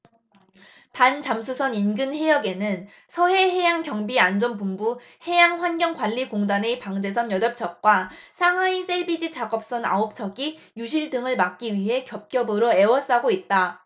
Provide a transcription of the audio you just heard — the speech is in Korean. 반잠수선 인근해역에는 서해해양경비안전본부 해양환경관리공단의 방제선 여덟 척과 상하이 샐비지 작업선 아홉 척이 유실 등을 막기 위해 겹겹으로 에워싸고 있다